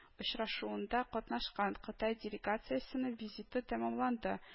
Очрашуында катнашкан кытай делегациясенең визиты тәмамланды